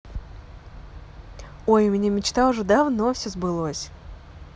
ой у меня мечта уже давно все сбылось